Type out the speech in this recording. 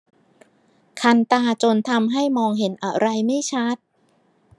คันตาจนทำให้มองเห็นอะไรไม่ชัด